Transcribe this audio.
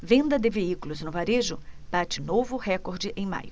venda de veículos no varejo bate novo recorde em maio